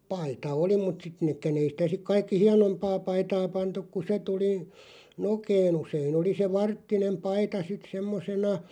paita oli mutta sitten nekään ei sitä sitten kaikki hienompaa paitaa pantu kun se tuli nokeen usein oli se varttinen paita sitten semmoisena